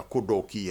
A ko dɔw k'i yɛrɛ